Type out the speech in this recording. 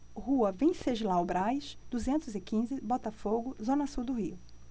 rua venceslau braz duzentos e quinze botafogo zona sul do rio